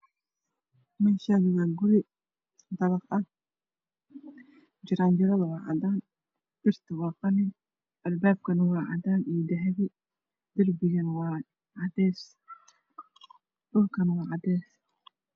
Meshaani waa guri dabaq ah jaranjarada waa cadaan birtuu waa qalin albaabkana waa cadan iyo dahabi derbigana waa cadees dhuulkana waa cadees